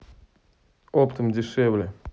оптом дешевле